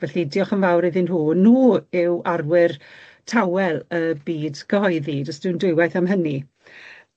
Felly diolch yn fawr iddyn nhw. Nw yw arwyr tawel y byd cyhoeddi. Do's dim dwywaith am hynny.